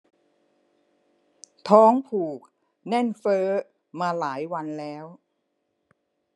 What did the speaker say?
ท้องผูกแน่นเฟ้อมาหลายวันแล้ว